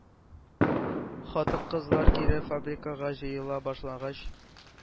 Хатын-кызлар кире фабрикага җыела башлагач,